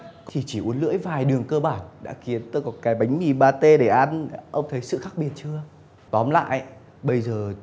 thì chỉ uốn lưỡi vài đường cơ bản đã khiến tôi có cái bánh mì pa tê để ăn ông thấy sự khác biệt chưa tóm lại bây giờ